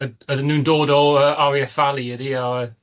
Yd- ydyn nhw'n dod o yy Are Ay Eff Valley ydy? Are ar-?